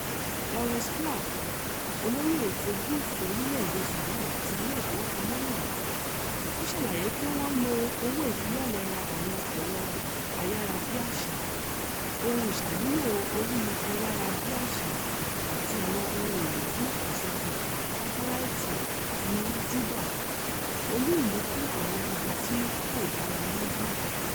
Laurence Clarke, olórí ètò gúúsù orílẹ̀ èdè Sudan ti ilé ìfowópamọ́ náà, ṣàlàyé pé wọ́n lo owó ìfilọ́lẹ̀ ra àwọn ẹ̀rọ ayárabíàsá, ohun ìsàmúlò orí ayárabíàsá àti àwọn ohun èlò fún ìsopọ̀ sátẹ́láìtì ní Juba, olú - ìlú fún àwọn ibi tí kò dára ní gúúsù.